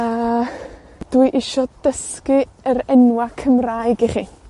A, dwi isio dysgu yr enwa' Cymraeg i chi.